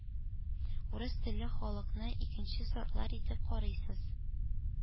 «урыс телле халык»ны икенче сортлы итеп карыйсыз,